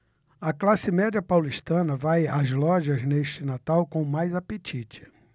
a classe média paulistana vai às lojas neste natal com mais apetite